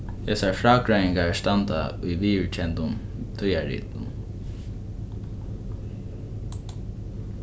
hesar frágreiðingar standa í viðurkendum tíðarritum